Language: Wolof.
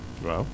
waaw